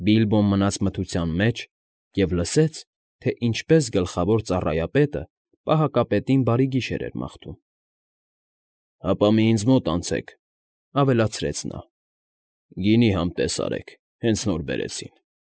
Բիլբոն մնաց մթության մեջ և լսեց, թե ինչպես գլխավոր ծառայապետը պահակապետին բարի գիշեր էր մաղթում։ ֊ Հապա մի ինձ մոտ անցեք,֊ ավելացրեց նա,֊ գինի համտես արեք, հենց նոր բերեցին։